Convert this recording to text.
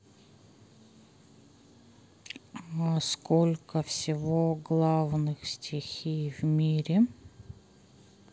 а сколько всего главных стихий в мире